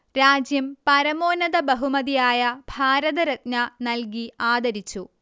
രാജ്യം പരമോന്നത ബഹുമതിയായ ഭാരതരത്ന നൽകി ആദരിച്ചു